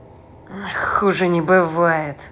хуже не бывает